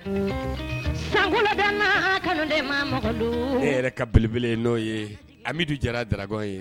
San kaloden ma mɔgɔ yɛrɛ kabele n'o ye anmidu jara jarakɔ ye